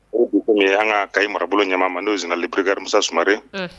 Ko min ye an ka Kayi marabolo ɲɛmaa ma n'o ye général de brigade Musa Sumare; Unhun./